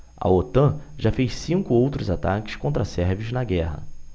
a otan já fez cinco outros ataques contra sérvios na guerra